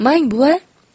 mang buva